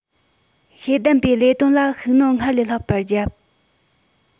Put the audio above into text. ཤེས ལྡན པའི ལས དོན ལ ཤུགས སྣོན སྔར ལས ལྷག པ བརྒྱབ